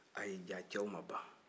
ayi jaa cɛw ma ban